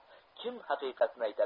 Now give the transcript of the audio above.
kim haqiqatni aytadi